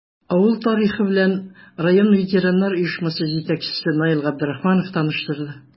Авыл тарихы белән район ветераннар оешмасы җитәкчесе Наил Габдрахманов таныштырды.